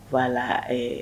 V